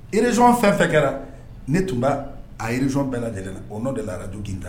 Région fɛn fɛn kɛra, ne tun ba région bɛɛ lajɛlen la au nom de la Radio guintan